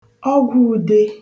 ọgwụ̄ùde